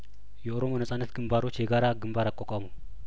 የኦሮሞ ነጻነት ግንባሮች የጋራ ግንባር አቋቋሙ